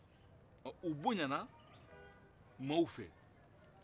ɔ u bonyana mɔgɔw fɛ